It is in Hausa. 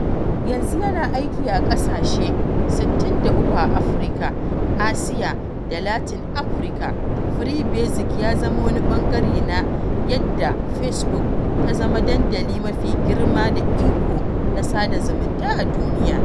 Yanzu yana aiki a ƙasashe 63 a Afrika, Asiya, da Latin Amurka, Free Basics ya zama wani ɓangare na yadda Facebook ta zama dandali mafi girma da iko na sada zumunta a duniya.